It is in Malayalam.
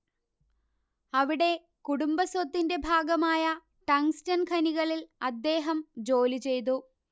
അവിടെ കുടുംബസ്വത്തിന്റെ ഭാഗമായ ടങ്ങ്സ്ടൻ ഖനികളിൽ അദ്ദേഹം ജോലിചെയ്തു